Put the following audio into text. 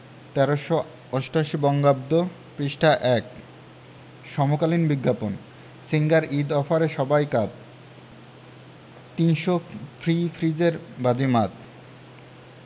১৩৮৮ বঙ্গাব্দ পৃষ্ঠা – ১ সমকালীন বিজ্ঞাপন সিঙ্গার ঈদ অফারে সবাই কাত ৩০০ ফ্রি ফ্রিজের বাজিমাত